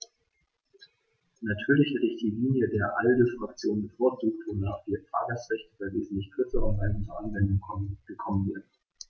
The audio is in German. Natürlich hätte ich die Linie der ALDE-Fraktion bevorzugt, wonach die Fahrgastrechte bei wesentlich kürzeren Reisen zur Anwendung gekommen wären.